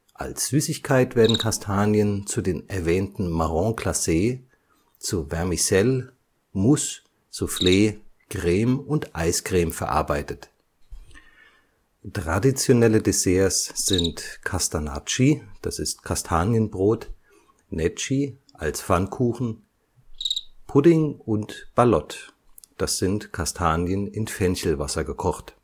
Als Süßigkeit werden Kastanien zu den erwähnten marrons glacés, zu Vermicelles, Mousse, Soufflé, Creme und Eiscreme verarbeitet. Traditionelle Desserts sind castagnacci (Kastanienbrot), necci (Pfannkuchen), Pudding und ballotte (Kastanien in Fenchelwasser gekocht